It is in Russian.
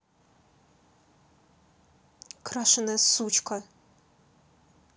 крашенная сучка